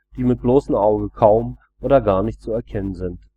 die mit bloßem Auge kaum oder gar nicht zu erkennen sind